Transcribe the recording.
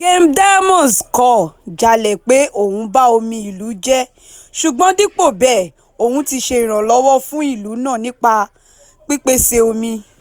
Gem Diamonds kọ̀ jálẹ̀ pé òun ba omi ìlú jẹ́ ṣùgbọ́n dípò bẹ́ẹ̀ òun ti ṣe ìrànlọ́wọ́ fún ìlú náà nípa pípèsè omi.